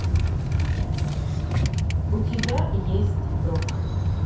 у тебя есть друг